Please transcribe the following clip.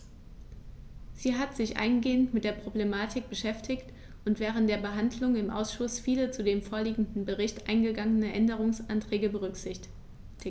Sie hat sich eingehend mit der Problematik beschäftigt und während der Behandlung im Ausschuss viele zu dem vorliegenden Bericht eingegangene Änderungsanträge berücksichtigt.